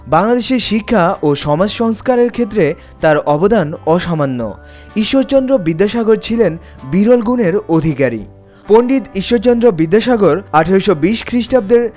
বাংলাদেশের শিক্ষা ও সমাজ সংস্কারের ক্ষেত্রে তার অবদান অসামান্য ঈশ্বরচন্দ্র বিদ্যাসাগর ছিলেন বিরল গুণের অধিকারী পন্ডিত ঈশ্বরচন্দ্র বিদ্যাসাগর ১৮২০ খ্রিস্টাব্দের